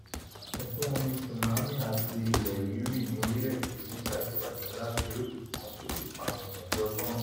Ẹ̀kún omi Tsunami àti Ilẹ̀ rírì ni orílẹ̀-èdè Indonesia ṣèbàjẹ́ ńlá si erékùsù kan, ti ó sí pa àwọn ènìyàn bíi Ọgọ́ọ̀rún